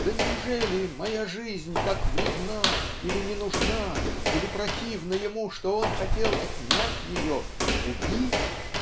да неужели моя жизнь так вредна или не нужна или противна ему что он хотел отнять ее убить?